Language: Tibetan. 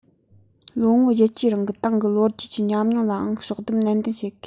ལོ ངོ བརྒྱད ཅུའི རིང གི ཏང གི ལོ རྒྱུས ཀྱི ཉམས མྱོང ལའང ཕྱོགས བསྡོམས ནན ཏན བྱེད དགོས